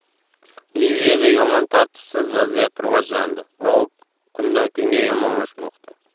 liviyada yomon tartibsiz vaziyat rivojlandi va u kundan kunga yomonlashmoqda